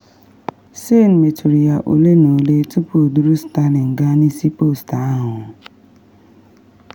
Sane metụrụ ya ole ma ole tupu o duru Sterling gaa n’isi post ahụ.